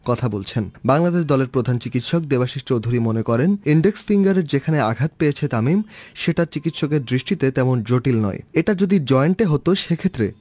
কথা বলছেন বাংলাদেশ দলের প্রধান চিকিৎসক দেবাশীষ চৌধুরী মনে করেন ইন্ডেক্স ফিংগার এর যেখানে আঘাত পেয়েছেন তামিম সেটা চিকিৎসকের দৃষ্টিতে তেমন জটিল নয় এটা যদি জয়েন্ট এ হত সে ক্ষেত্রে